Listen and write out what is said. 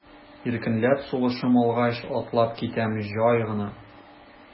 Иркенләп сулышым алгач, атлап китәм җай гына.